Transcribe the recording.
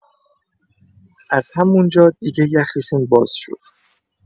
از همون‌جا دیگه یخشون باز شد.